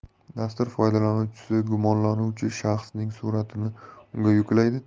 dastur foydalanuvchisi gumonlanuvchi shaxsning suratini unga yuklaydi